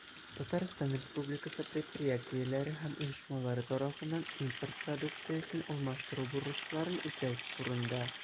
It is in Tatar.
Татарстан Республикасы предприятиеләре һәм оешмалары тарафыннан импорт продукциясен алмаштыру бурычларын үтәү турында.